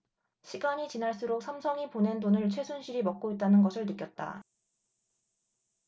시간이 지날수록 삼성이 보낸 돈을 최순실이 먹고 있다는 것을 느꼈다